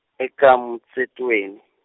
eka Motsetweni.